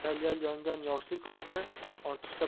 yal yal yongan yoshlik husni ortiqcha